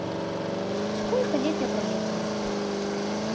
сколько лет я проживу